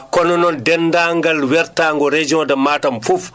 kono noon denndaangal wertaango région de Matam fof